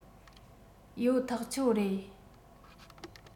ཡོད ཐག ཆོད རེད